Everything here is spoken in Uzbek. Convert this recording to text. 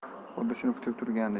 xuddi shuni kutib turgandek